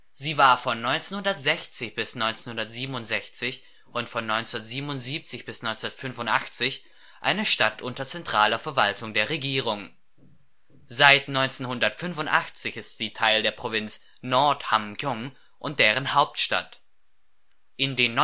Sie war von 1960 bis 1967 und von 1977 bis 1985 eine Stadt unter zentraler Verwaltung der Regierung. Seit 1985 ist sie Teil der Provinz Nord-Hamgyŏng und deren Hauptstadt. In den